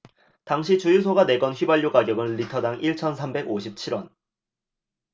당시 주유소가 내건 휘발유 가격은 리터당 일 천 삼백 오십 칠 원